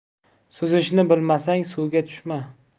suzishni bilmasang suvga tushma